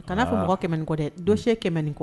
Aa kan'a fɔ mɔgɔ 100 nin kɔ dɛ dossier 100 nin kɔ